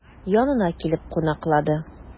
Янына килеп кунаклады.